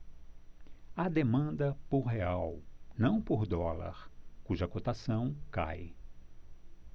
há demanda por real não por dólar cuja cotação cai